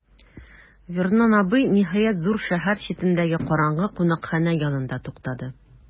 Вернон абый, ниһаять, зур шәһәр читендәге караңгы кунакханә янында туктады.